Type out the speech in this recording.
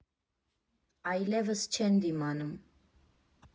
Այլևս չեն դիմանում։